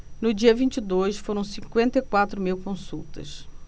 no dia vinte e dois foram cinquenta e quatro mil consultas